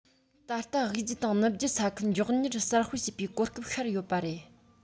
ད ལྟ དབུས རྒྱུད དང ནུབ རྒྱུད ས ཁུལ མགྱོགས མྱུར གསར སྤེལ བྱེད པའི གོ སྐབས ཤར ཡོད པ རེད